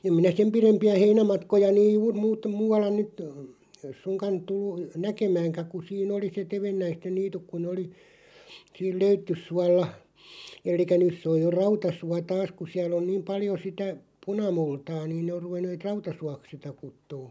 en minä sen pidempiä heinämatkoja niin juuri - muualla nyt suinkaan tullut näkemäänkään kun siinä oli se tevennäisten niityt kun ne oli siinä Löyttysuolla eli nyt se on jo Rautasuo taas kun siellä on niin paljon sitä punamultaa niin ne on ruvenneet Rautasuoksi sitä kutsumaan